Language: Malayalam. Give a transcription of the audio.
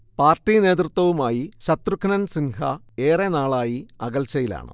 പാർട്ടി നേതൃത്വവുമായി ശത്രുഘ്നൻ സിൻഹ ഏറെ നാളായി അകൽച്ചയിലാണ്